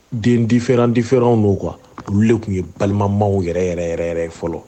Den differant different maw don quoi olu de tun ye balimamaw yɛrɛ yɛrɛ yɛrɛ ye fɔlɔ.